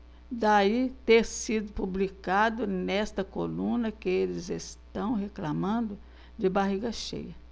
daí ter sido publicado nesta coluna que eles reclamando de barriga cheia